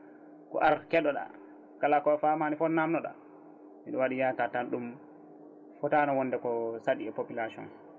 ko ar keɗoɗa kala ko famani fo namdoɗa mbiɗo waɗi yakar tan ɗum fotano wonde ko saaɗi e population